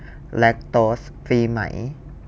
แลคโตสฟรีไหม